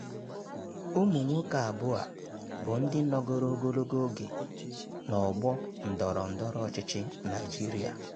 Ụmụ nwoke abụọ a bụ ndị nọgọro ogologo oge n'ọgbọ ndọrọ ndọrọ ọchịchị Nigeria.